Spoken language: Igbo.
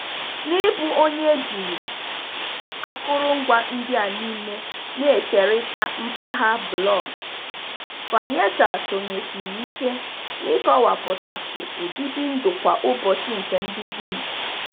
N'ịbụ onye ejiri akụrụngwa ndị a niile na-kerịta mpagha blọọgụ, Kouyaté sonyesiri ike n'ịkọwapụtasị obibi ndụ kwa ụbọchị nke ndị Guinea.